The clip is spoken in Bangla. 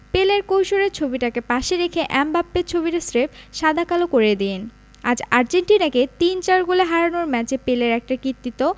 পেলের কৈশোরের ছবিটাকে পাশে রেখে এমবাপ্পের ছবিটা স্রেফ সাদা কালো করে দিন আজ আর্জেন্টিনাকে ৩ ৪ গোলে হারানোর ম্যাচে পেলের একটা কীর্তি ত